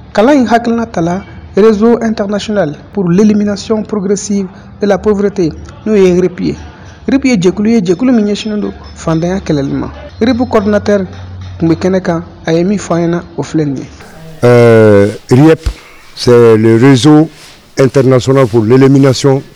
Kalan in hakiina ta rezo ntalasda la purllimina nacɔn purpressi e la ppurrete n'o ye niriripye yiripye jɛkulu ye jɛkulu min yesin don fantanya kɛlɛli ma irip kɔdtɛ tun bɛ kɛnɛ kan a ye min fany na o filɛ nin ye ɛɛ reyep sɛ rezo etrinasonɔn k' lenmin nacon